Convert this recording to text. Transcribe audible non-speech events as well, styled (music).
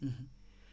(hesitation) (hesitation)